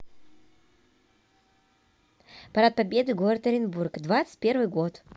парад победы город оренбург двадцать первый год